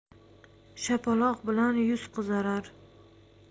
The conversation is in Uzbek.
shapaloq bilan yuz qizarar